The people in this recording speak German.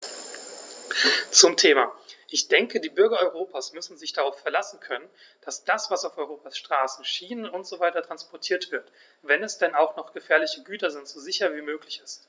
Zum Thema: Ich denke, die Bürger Europas müssen sich darauf verlassen können, dass das, was auf Europas Straßen, Schienen usw. transportiert wird, wenn es denn auch noch gefährliche Güter sind, so sicher wie möglich ist.